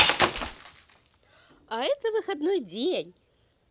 а это выходной день